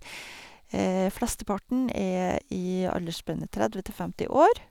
Flesteparten er i aldersspennet tredve til femti år.